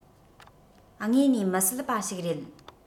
དངོས ནས མི སྲིད པ ཞིག རེད